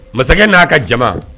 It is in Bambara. Masakɛ n'a ka jama